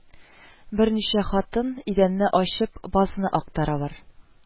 Берничә хатын, идәнне ачып, базны актаралар